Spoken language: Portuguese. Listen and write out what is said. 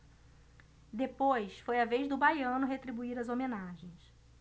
depois foi a vez do baiano retribuir as homenagens